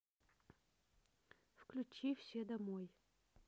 выключи все домой